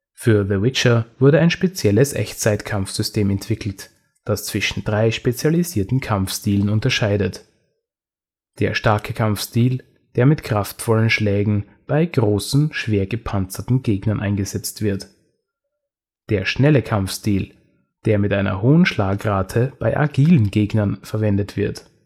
The Witcher wurde ein spezielles Echtzeit-Kampfsystem entwickelt, das zwischen drei spezialisierten Kampfstilen unterscheidet: Der starke Kampfstil, der mit kraftvollen Schlägen bei großen, schwer gepanzerten Gegnern eingesetzt wird. Der schnelle Kampfstil, der mit einer hohen Schlagrate bei agilen Gegnern verwendet wird